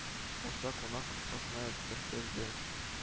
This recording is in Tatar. – башта кунак капкасына төртелде